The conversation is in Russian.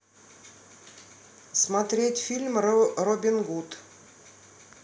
смотреть фильм робин гуд